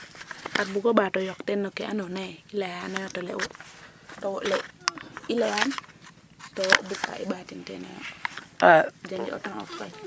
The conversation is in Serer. xar bugo ɓato yok teen no ke andoona yee i layanooyo i layan to bug ka i mbatin ten o yo jangi o temps of ko.